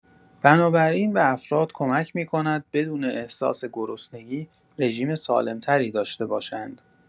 بنابراین به افراد کمک می‌کند بدون احساس گرسنگی، رژیم سالم‌تری داشته باشند.